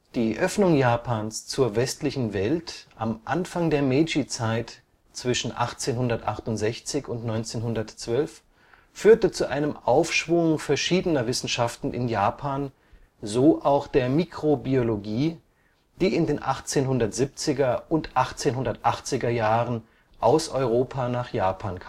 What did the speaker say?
Die Öffnung Japans zur westlichen Welt am Anfang der Meiji-Zeit (1868 – 1912) führte zu einem Aufschwung verschiedener Wissenschaften in Japan, so auch der Mikrobiologie, die in den 1870er und 1880er Jahren aus Europa nach Japan